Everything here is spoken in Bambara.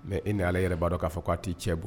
Ne e ni ala yɛrɛ b'a k'a fɔ ko'a' cɛ bɔ